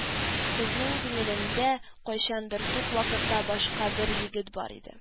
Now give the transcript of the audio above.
Кызның күңелендә, кайчандыр тук вакытта башка бер егет бар иде